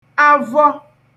avọ